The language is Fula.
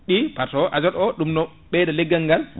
ɗi par so azote o ɗum no ɓeyda leggal ngal